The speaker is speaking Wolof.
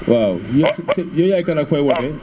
waaw yow yaay kan ak fooy wootee